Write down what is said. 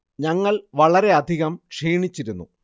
ഞങ്ങൾ വളരെയധികം ക്ഷീണിച്ചിരുന്നു